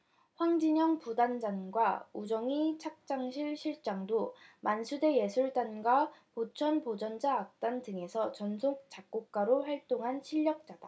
황진영 부단장과 우정희창작실 실장도 만수대 예술단과 보천보전자악단 등에서 전속 작곡가로 활동한 실력자다